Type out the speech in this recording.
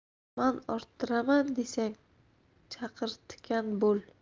dushman orttiraman desang chaqirtikan bo'l